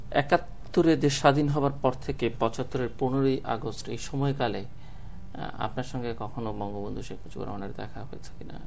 একাত্তরে দেশ স্বাধীন হবার পর থেকে ৭৫ এর ১৫ ই আগস্ট এই সময় কালে আপনার সঙ্গে কখনো বঙ্গবন্ধু শেখ মুজিবুর রহমানের দেখা হয়েছে কিনা না